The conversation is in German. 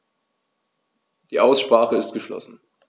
Die Aussprache ist geschlossen.